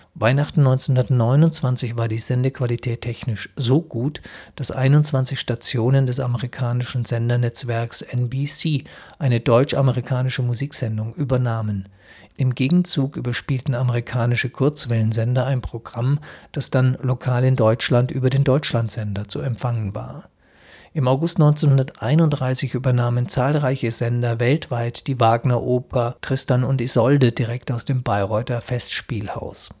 Weihnachten 1929 war die Sendequalität technisch so gut, dass 21 Stationen des amerikanischen Sendernetzwerks NBC eine deutsch-amerikanische Musiksendung übernahmen; im Gegenzug überspielten amerikanische Kurzwellensender ein Programm, das dann lokal in Deutschland über den Deutschlandsender zu empfangen war. Im August 1931 übernahmen zahlreiche Sender weltweit die Wagner-Oper Tristan und Isolde direkt aus dem Bayreuther Festspielhaus